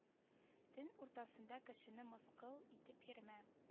Төн уртасында кешене мыскыл итеп йөрмә